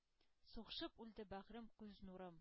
Сугшып үлде бәгърем, күз нурым.